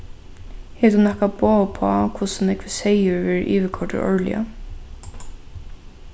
hevur tú nakað boð uppá hvussu nógvur seyður verður yvirkoyrdur árliga